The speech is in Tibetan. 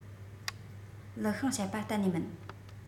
ལི ཤིང བཤད པ གཏན ནས མིན